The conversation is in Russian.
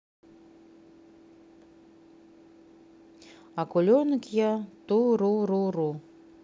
акуленок я ту ру ру ру